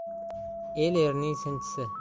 el erning sinchisi